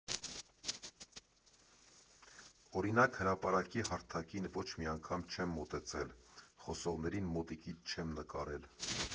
Օրինակ՝ հրապարակի հարթակին ոչ մի անգամ չեմ մոտեցել, խոսողներին մոտիկից չեմ նկարել։